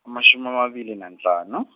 amashumi amabili nahlanu.